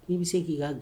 Ni bɛ se k'i ka